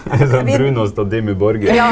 det er sånn brunost og Dimmu Borgir.